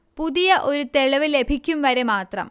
പുതിയ ഒരു തെളിവ് ലഭിക്കും വരെ മാത്രം